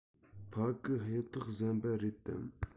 ཕ གི གཡུ ཐོག ཟམ པ རེད དམ